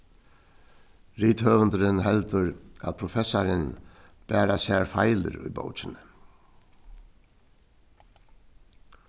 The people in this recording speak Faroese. rithøvundurin heldur at professarin bara sær feilir í bókini